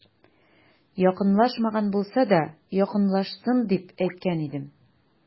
Якынлашмаган булса да, якынлашсын, дип әйткән идем.